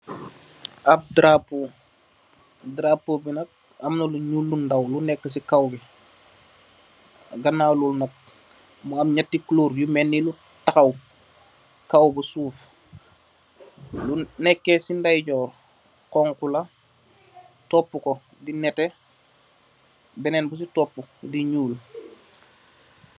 Ap darapóó, darapóó bi nak am na lu ñuul lu ndaw lu nekka ci kaw gi, ganaw lool nak mu am ñetti kulor yu melni lu taxaw kaw ba suuf. Lu nekkeh si ndayjoor xonxu la topuko di netteh benen bu ci topu di ñuul.